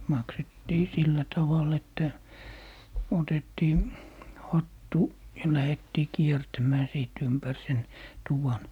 maksettiin sillä tavalla että otettiin hattu ja lähdettiin kiertämään sitten ympäri sen tuvan